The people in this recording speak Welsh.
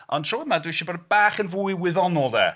Ond tro yma, dwi isio bod yn bach yn fwy wyddonol 'de.